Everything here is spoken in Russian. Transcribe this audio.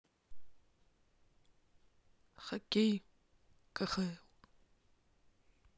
хоккей кхл